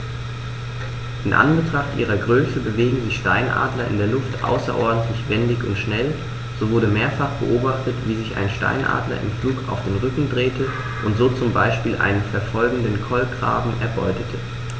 In Anbetracht ihrer Größe bewegen sich Steinadler in der Luft außerordentlich wendig und schnell, so wurde mehrfach beobachtet, wie sich ein Steinadler im Flug auf den Rücken drehte und so zum Beispiel einen verfolgenden Kolkraben erbeutete.